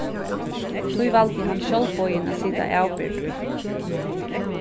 tí valdi hann sjálvboðin at sita avbyrgdur